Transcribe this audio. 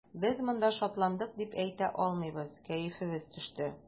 Без моңа шатландык дип әйтә алмыйбыз, кәефебез төште.